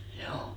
juu